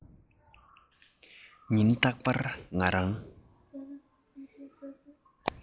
ཉིན རྟག པར ང རང